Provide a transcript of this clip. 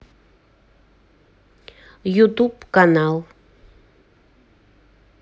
ютуб канал